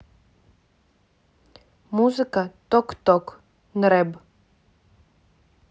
музыка ток ток нрзб